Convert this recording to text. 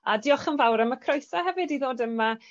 A diolch yn fawr am y croeso hefyd i ddod yma